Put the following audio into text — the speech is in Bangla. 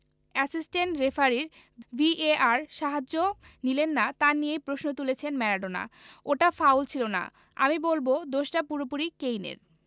অ্যাসিস্ট্যান্ট রেফারির ভিএআর সাহায্য নিলেন না তা নিয়েও প্রশ্ন তুলেছেন ম্যারাডোনা ওটা ফাউল ছিল না আমি বলব দোষটা পুরোপুরি কেইনের